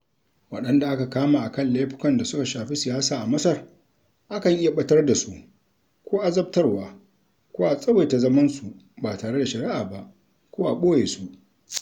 Waɗanda aka kama a kan laifukan da suka shafi siyasa a Masar a kan iya ɓatar da su ko azabtarwa ko a tsawaita zamansu ba tare da shari'a ba ko a ɓoye su.